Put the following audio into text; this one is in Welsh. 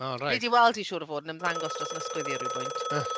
...O reit. ...Wnei di weld hi siwr o fod yn ymddangos dros yn ysgwydd i ar ryw bwynt .